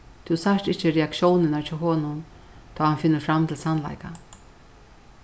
tú sært ikki reaktiónirnar hjá honum tá hann finnur fram til sannleikan